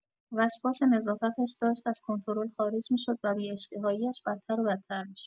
وسواس نظافتش داشت از کنترل خارج می‌شد و بی‌اشتهایی‌اش بدتر و بدتر می‌شد.